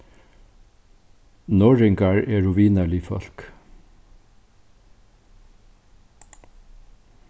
norðoyingar eru vinarlig fólk